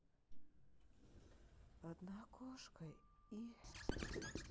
одна кошка и